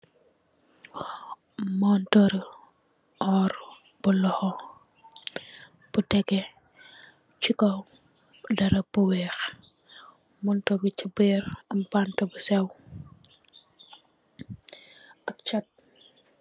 Munturr re orr bu lohou bu tegeh che kaw darab bu weex munturr be che birr am bante bu seew ak chate.